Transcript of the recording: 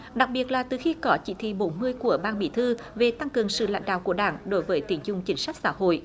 đặc biệt là từ khi có chỉ thị bốn mươi của ban bí thư về tăng cường sự lãnh đạo của đảng đối với tín dụng chính sách xã hội